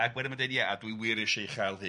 ...ac wedyn mae'n dweud, ia, dwi wir eisiau ei chael hi,